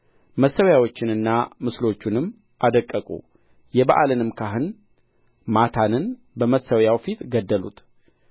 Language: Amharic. መሠዊያዎቹንና ምስሎቹንም አደቀቁ የበኣልንም ካህን ማታንን በመሠዊያው ፊት ገደሉት